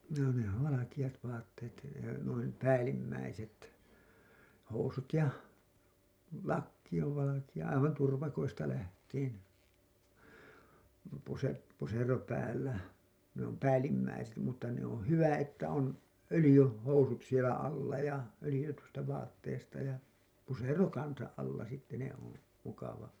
no ne on valkeat vaatteet noin päällimmäiset housut ja lakki on valkea aivan turvakoista lähtien - pusero päällä ne on päällimmäiset mutta ne on hyvä että on - öljyhousut siellä alla ja öljytystä vaatteesta ja pusero kanssa alla sitten ne on mukava